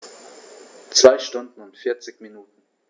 2 Stunden und 40 Minuten